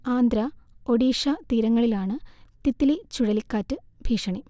ആന്ധ്ര, ഒഡീഷ തീരങ്ങളിലാണ് തിത്ലി ചുഴലിക്കാറ്റ് ഭീഷണി